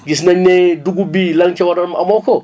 gis nañ ne dugub bi la nga ci war a am amoo ko